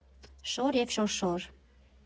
Շոր և Շորշոր։